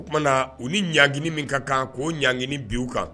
O tumanaa u ni ɲangini min ka kan k'o ɲangini bin u kan